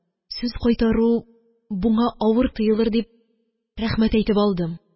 Сүз кайтару буңа авыр тоелыр дип, рәхмәт әйтеп алдым.